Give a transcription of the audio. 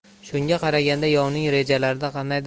shunga qaraganda yovning rejalarida qandaydir